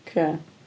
Oce.